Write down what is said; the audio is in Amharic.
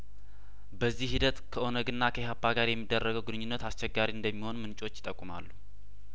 በዚህ ሂደት ከኦነግና ከኢህአፓ ጋር የሚደረገው ግንኙነት አስቸጋሪ እንደሚሆን ምንጮች ይጠቁማሉ